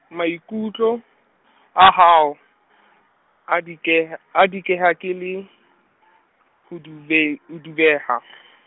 maikutlo, a hao, a dikeh-, a dukeha ke le , ho dube-, ho dubeha.